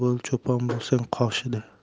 bo'l cho'pon bo'lsang qoshida